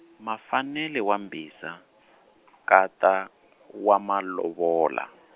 Mafanele wa Mbhiza , nkata, wa Malovola.